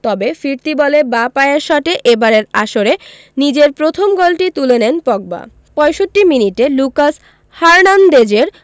তবে ফিরতি বলে বাঁ পায়ের শটে এবারের আসরে নিজের প্রথম গোলটি তুলে নেন পগবা ৬৫ মিনিটে লুকাস হার্নান্দেজের